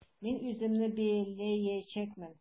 Мин үземне бәяләмәячәкмен.